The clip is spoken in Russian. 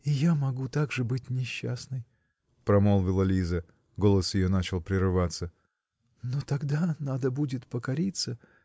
-- И я могу так же быть несчастной, -- промолвила Лиза (голос ее начинал прерываться), -- но тогда надо будет покориться